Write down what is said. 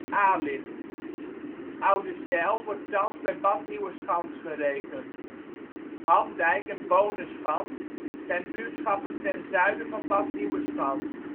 Aa ligt. Oudezijl wordt thans bij Bad Nieuweschans gerekend. Hamdijk en Booneschans zijn buurtschappen ten zuiden van Bad Nieuweschans